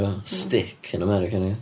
Stick yn America nagoes?